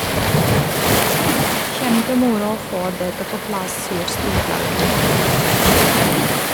- Kjempemoro å få dette på plass, sier Stordalen om Malmö-avtalen.